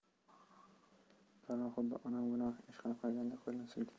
dallol xuddi onam gunoh ish qilib qo'yganday qo'lini silkitdi